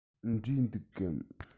འབྲས འདུག གམ